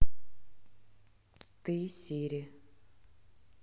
ты сири